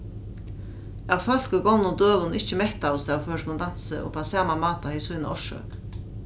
at fólk í gomlum døgum ikki mettaðust av føroyskum dansi upp á sama máta hevði sína orsøk